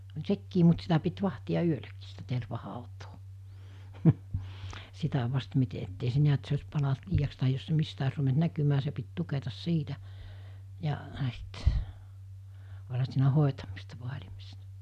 oli sekin mutta sitä piti vahtia yölläkin sitä tervahautaa sitä vasten miten että ei se näet se olisi palanut liiaksi tai jos se mistä olisi ruvennut näkymään se piti tuketa siitä ja sitten olihan siinä hoitamista vaalimista